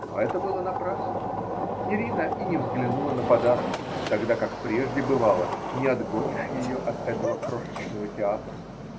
Но это было напрасно: Нерина и не взглянула на подарок, тогда как прежде, бывало, не отгонишь ее от этого крошечного театра.